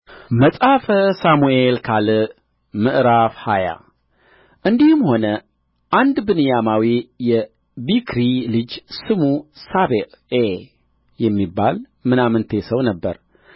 መጽሐፈ ሳሙኤል ካል ምዕራፍ ሃያ እንዲህም ሆነ አንድ ብንያማዊ የቢክሪ ልጅ ስሙ ሳቤዔ የሚባል ምናምንቴ ሰው ነበረ